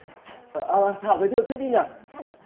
ờ thảo giới thiệu trước đi nhở